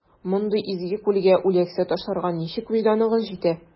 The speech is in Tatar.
Мондый изге күлгә үләксә ташларга ничек вөҗданыгыз җитә?